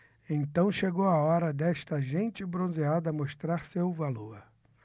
então chegou a hora desta gente bronzeada mostrar seu valor